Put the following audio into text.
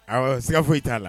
Awɔ, siga fosi t'a la